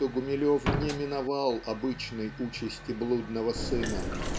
что Гумилев не миновал обычной участи блудного сына